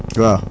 waaw